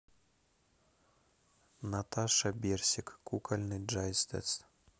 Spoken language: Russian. наташа берсик кукольный дайджест